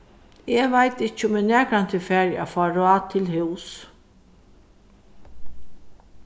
eg veit ikki um eg nakrantíð fari at fáa ráð til hús